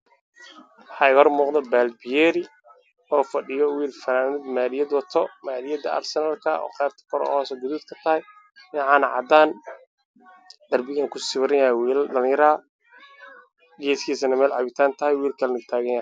Waa meel suq ah waxaa ii muuqda teendhooyin iyo nin wata fanaanad jeclaa waxaa ka dambaysay bajaaj guduud ah